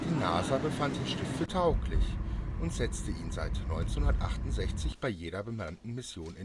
NASA befand den Stift für tauglich und setzte ihn seit 1968 bei jeder bemannten Mission